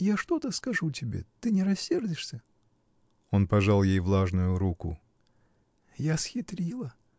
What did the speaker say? — Я что-то скажу тебе: ты не рассердишься?. Он пожал ей влажную руку. — Я схитрила.